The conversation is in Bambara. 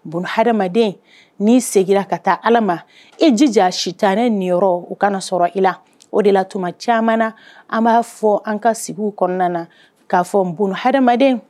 Bon haden n'i seginna ka taa ala ma e jija si tan ne nin yɔrɔ u kana sɔrɔ i la o de la tuma caman na an b'a fɔ an ka sigi kɔnɔna na k'a fɔ n bo haden